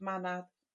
ma' 'na